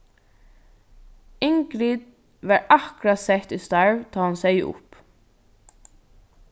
ingrid var akkurát sett í starv tá hon segði upp